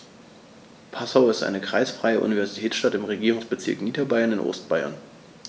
Passau ist eine kreisfreie Universitätsstadt im Regierungsbezirk Niederbayern in Ostbayern.